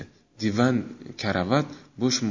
divan karavot bo'sh